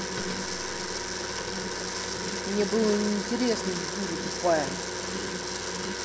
мне было неинтересно дура тупая